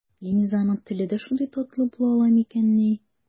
Ленизаның теле дә шундый татлы була ала микәнни?